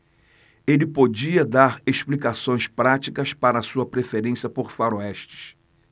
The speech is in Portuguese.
ele podia dar explicações práticas para sua preferência por faroestes